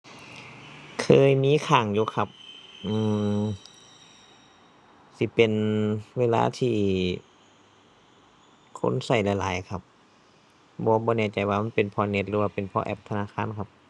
เคยมีค้างอยู่ครับ อืม สิเป็นเวลาที่ คนใช้หลายหลายครับ บ่ บ่แน่ใจว่ามันเป็นเพราะเน็ตหรือว่าเป็นเพราะแอปธนาคารครับ